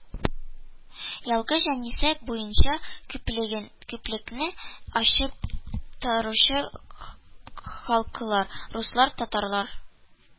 Елгы җанисәп буенча күпчелекне алып торучы халыклар: руслар , татарлар